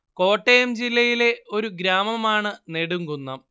കോട്ടയം ജില്ലയിലെ ഒരു ഗ്രാമമാണ് നെടുംകുന്നം